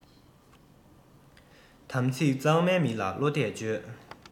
དམ ཚིག གཙང མའི མི ལ བློ གཏད བཅོལ